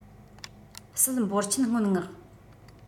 སྲིད འབོར ཆེན སྔོན མངག